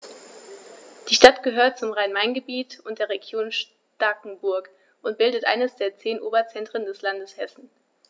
Die Stadt gehört zum Rhein-Main-Gebiet und der Region Starkenburg und bildet eines der zehn Oberzentren des Landes Hessen.